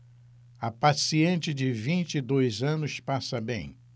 a paciente de vinte e dois anos passa bem